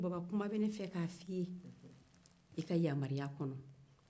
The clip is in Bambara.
baba kuma bɛ ne fɛ k'a fɔ i ye n'i ka yamaruya ye